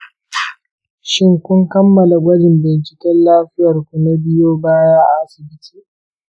shin kun kammala gwajin binciken lafiyar ku na biyo baya a asibiti?